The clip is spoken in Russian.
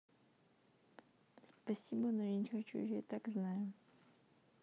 спасибо но я не хочу я и так знаю